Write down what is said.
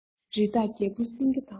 རི དྭགས རྒྱལ པོ སེང གེ དང